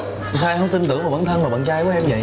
sao anh không tin tưởng vào bản thân và bạn trai của em vậy